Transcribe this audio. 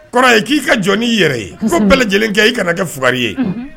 Kɔrɔ ye k'i ka jɔn' i yɛrɛ ye muso bɛɛ lajɛlen kɛ i kana kɛug ye